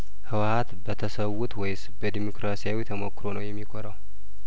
ህወሀት በተሰዉት ወይስ በዲሞክራሲያዊ ተሞክሮው ነው የሚኮራው